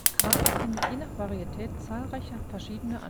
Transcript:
Quarz findet je nach Varietät zahlreiche verschiedene Anwendungen